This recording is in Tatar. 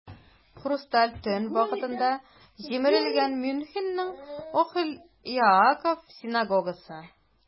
"хрусталь төн" вакытында җимерелгән мюнхенның "охель яаков" синагогасы.